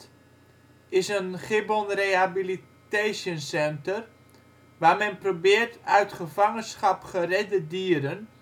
is een Gibbon Rehabilitation Center waar men probeert uit gevangenschap geredde dieren